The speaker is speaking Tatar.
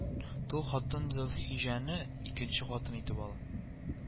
Тол хатын зөлхиҗәне икенче хатын итеп ала